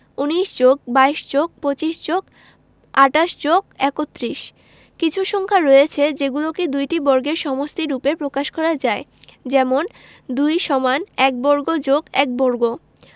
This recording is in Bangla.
১৯+২২+২৫+২৮+৩১ কিছু সংখ্যা রয়েছে যেগুলোকে দুইটি বর্গের সমষ্টিরুপে প্রকাশ করা যায় যেমনঃ ২ = ১ বর্গ + ১ বর্গ